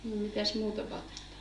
no mitäs muuta vaatetta